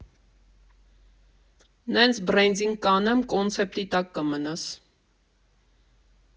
«Նենց բրենդինգ կանեմ, կոնցեպտի տակ կմնաս»։